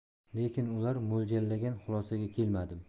lekin ular mo'ljallagan xulosaga kelmadim